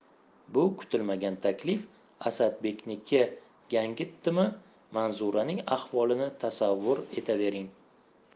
bu kutilmagan taklif asadbekniki gangitdimi manzuraning ahvolini tasavvur etavering